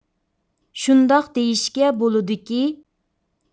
شۇنداق دېيىشكە بولىدۇكى